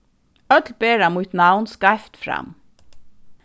øll bera mítt navn skeivt fram